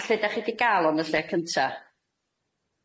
A lle dach chi di ga'l o yn y lle cynta?